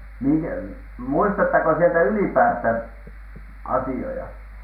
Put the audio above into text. minkä muistatteko sieltä ylipäästä asioita